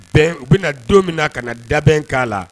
Bɛn, u bɛna don min na ka na dabɛn k'a la,